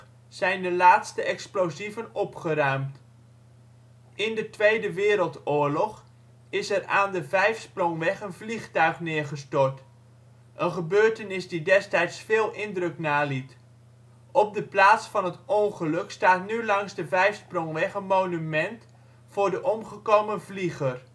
zijn de laatste explosieven opgeruimd. In de Tweede Wereldoorlog is er aan de vijfsprongweg een vliegtuig neergestort. Een gebeurtenis die destijds veel indruk naliet. Op de plaats van het ongeluk staat nu langs de Vijfsprongweg een monument voor de omgekomen vlieger